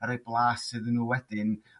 a reid blas iddyn n'w wedyn